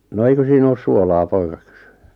no eikö siinä ole suolaa poika kysyi